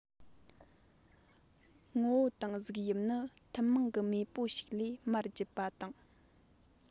ངོ བོ དང གཟུགས དབྱིབས ནི ཐུན མོང གི མེས པོ ཞིག ལས མར བརྒྱུད པ དང